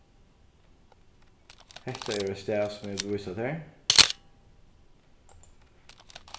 hetta er eitt stað sum eg vil vísa tær